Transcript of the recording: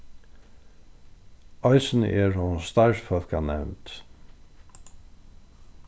eisini er hon starvsfólkanevnd